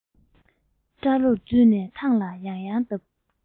སྐྲ ལོར འཇུས ནས ཐང ལ ཡང ཡང བརྡབས